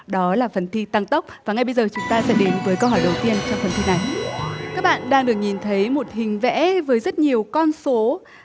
đó là phần thi tăng tốc và ngay bây giờ chúng ta sẽ đến với câu hỏi đầu tiên trong phần thi này các bạn đang được nhìn thấy một hình vẽ với rất nhiều con số